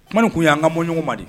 Kuma nin tun y' an ka bɔɲɔgɔng ma di